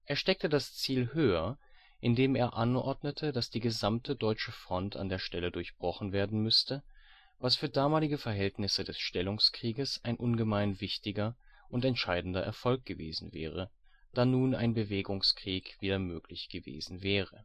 steckte das Ziel höher, indem er anordnete, dass die gesamte deutsche Front an der Stelle durchbrochen werden müsste - was für damalige Verhältnisse des Stellungskrieges ein ungemein wichtiger und entscheidender Erfolg gewesen wäre, da nun ein Bewegungskrieg wieder möglich gewesen wäre